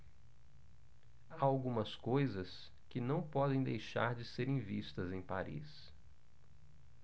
há algumas coisas que não podem deixar de serem vistas em paris